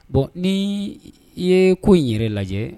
Bɔn ni i ye ko in yɛrɛ lajɛ